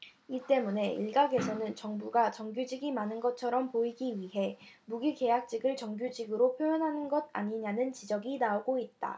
이 때문에 일각에서는 정부가 정규직이 많은 것처럼 보이기 위해 무기계약직을 정규직으로 표현하는 것 아니냐는 지적이 나오고 있다